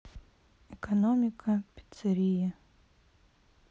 экономика пиццерии